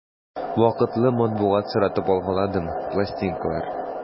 Вакытлы матбугат соратып алгаладым, пластинкалар...